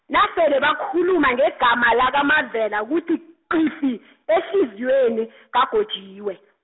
nasele bakhuluma ngegama lakaMavela kuthi, qhifi ehliziyweni kaGotjiwe.